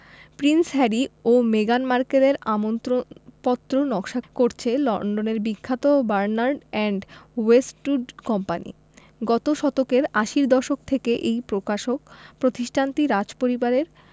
Prince Harry ও মেগান মার্কেলের আমন্ত্রণপত্র নকশা করছে লন্ডনের বিখ্যাত বার্নার্ড অ্যান্ড ওয়েস্টউড কোম্পানি গত শতকের আশির দশক থেকে এই প্রকাশক প্রতিষ্ঠানটি রাজপরিবারের